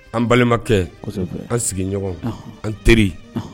An balimakɛ; kosɛbɛ ;an sigiɲɔgɔn; ɔnhɔn; an teri; Ɔnhɔn